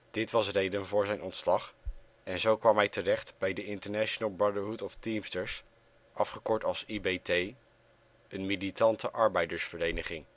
Dit was reden voor zijn ontslag en zo kwam hij terecht bij de International Brotherhood of Teamsters (IBT), een militante arbeidersvereniging